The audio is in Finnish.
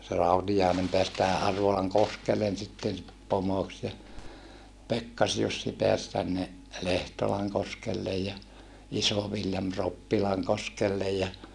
se Rautiainen pääsi tähän Arvolankoskelle sitten pomoksi ja Pekkas-Jussi pääsi tänne Lehtolankoskelle ja Iso-Viljami Roppilankoskelle ja